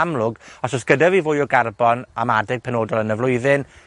amlwg, os o's gyda fi fwy o garbon am adeg penodol yn y flwyddyn